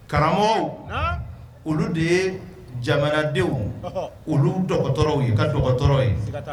Karamɔgɔw olu de ye jamanadenw oluw ka dɔgɔtɔrɔ ye